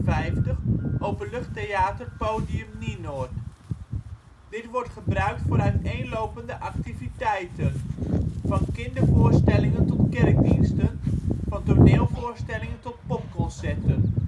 1955 openluchttheater Podium Nienoord. Dit wordt gebruikt voor uiteenlopende activiteiten: van kindervoorstellingen tot kerkdiensten, van toneelvoorstellingen tot popconcerten